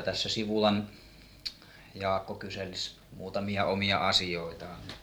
tässä Sivulan Jaakko kyselisi muutamia omia asioitaan